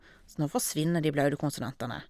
Så nå forsvinner de blaute konsonantene.